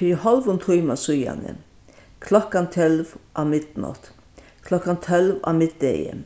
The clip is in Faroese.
fyri hálvum tíma síðani klokkan tólv á midnátt klokkan tólv á middegi